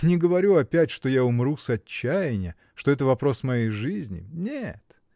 Не говорю опять, что я умру с отчаяния, что это вопрос моей жизни — нет